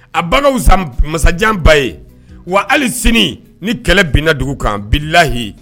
A baga san masajan ba ye wa hali sini ni kɛlɛ binna dugu kan bilayi